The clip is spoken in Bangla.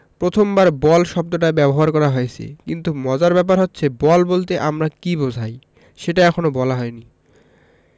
প্রথমবার বল শব্দটা ব্যবহার করা হয়েছে কিন্তু মজার ব্যাপার হচ্ছে বল বলতে আমরা কী বোঝাই সেটা এখনো বলা হয়নি